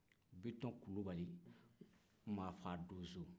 biton kulubali maa fa donso